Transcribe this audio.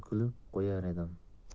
kulib qo'yar edim